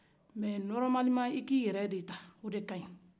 ɛ sariya la i k'i yerɛ ta o de kaɲ